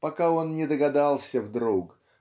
пока он не догадался вдруг